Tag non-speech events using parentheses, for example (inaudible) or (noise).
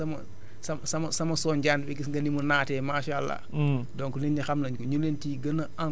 parce que da ngay dem ci nit mu ne la (hesitation) fii sama sama sa sama sama sonjaan bi gis nga ni mu naatee macha allah